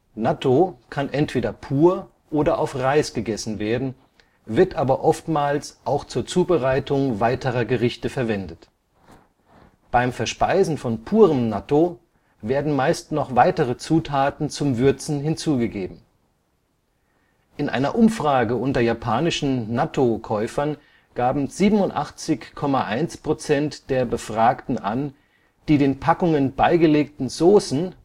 Nattō kann entweder pur oder auf Reis gegessen werden, wird aber oftmals auch zur Zubereitung weiterer Gerichte verwendet. Beim Verspeisen von purem Nattō werden meist noch weitere Zutaten zum Würzen hinzugeben. In einer Umfrage unter japanischen Nattō-Käufern gaben 87,1 % der Befragten an, die den Packungen beigelegte Saucen